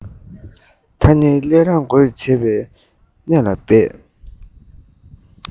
ད ནི སླད རང དགོས ཤེས བྱའི གནས ལ འབད